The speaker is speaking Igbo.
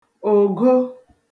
ògo